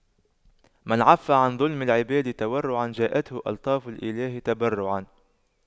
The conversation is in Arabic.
من عَفَّ عن ظلم العباد تورعا جاءته ألطاف الإله تبرعا